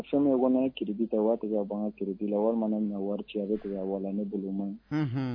Fɛnmɛ fana ye kibi ta waati ka ban kibi la walima min wari cɛ a bɛ waa ne boloma